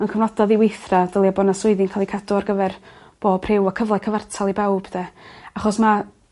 Mewn cyfnoda o ddiweithdra dylia bo' 'na swyddi'n ca'l 'u cadw ar gyfer bob rhyw a cyfla cyfartal i bawb 'de? Achos ma'